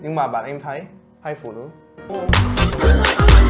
nhưng mà bạn em thấy hai phụ nữ